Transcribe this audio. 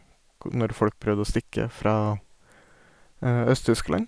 kod Når folk prøvde å stikke fra Øst-Tyskland.